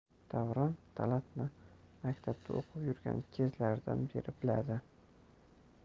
davron talatni maktabda o'qib yurgan kezlaridan beri biladi